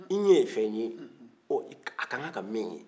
i ɲɛ ye fɛn ye a ka kan ka min ye